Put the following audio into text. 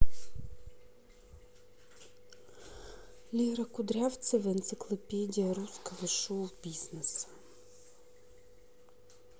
лера кудрявцева энциклопедия русского шоу бизнеса